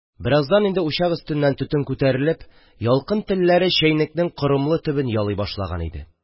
Бераздан инде учак өстеннән төтен күтәрелеп, ялкын телләре чәйнекнең корымлы төбен ялый башлаган иде